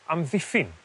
amddiffyn